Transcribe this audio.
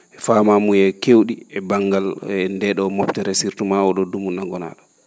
faamaamuye keew?i e banngal ndee ?oo moftere surtout ma oo ?oo dumunna ngonaa?o